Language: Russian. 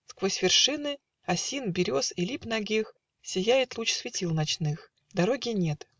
сквозь вершины Осин, берез и лип нагих Сияет луч светил ночных Дороги нет